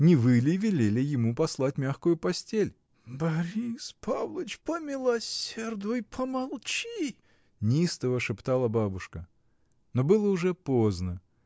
Не вы ли велели ему постлать мягкую постель. — Борис Павлыч! помилосердуй, помолчи! — неистово шептала бабушка. Но было уже поздно.